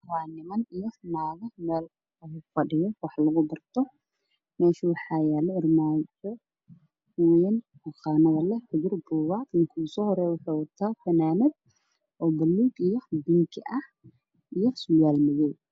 Niman iyo naago fadhiyaan meel wax lagu barto waana maktabad waxay ku fadhiyaan kuraas madow miisaas maktabadda waa madow